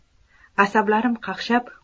asablarim qaqshab